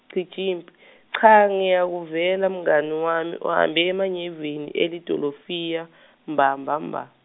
Cijimphi , cha, ngiyakuvela mngani wami, uhambe emanyeveni elidolofiya, mbamba mba.